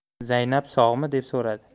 zaynab sog'mi deb so'radi